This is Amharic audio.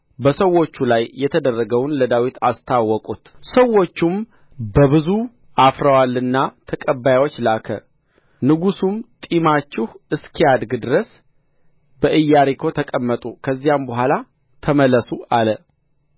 በሰዎቹ ላይ የተደረገውን ለዳዊት አስታወቁት ሰዎቹም በብዙ አፍረዋልና ተቀባዮች ላከ ንጉሡም ጢማችሁ እስኪያድግ ድረስ በኢያሪኮ ተቀመጡ ከዚያም በኋላ ተመለሱ አለ